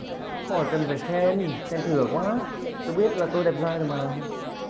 khỏi cần phải khen khen thừa quá tôi biết là tôi đẹp giai rồi mà